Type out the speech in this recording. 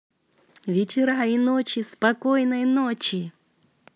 вечера и ночи спокойной ночи